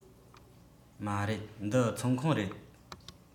མ རེད འདི ཚོང ཁང རེད